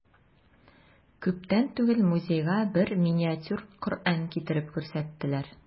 Күптән түгел музейга бер миниатюр Коръән китереп күрсәттеләр.